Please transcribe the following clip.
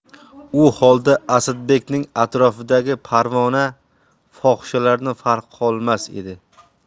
u holda asadbekning atrofidagi parvona fohishalardan farqi qolmas edi